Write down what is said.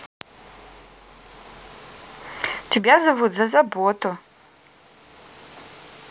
тебя зовут за заботу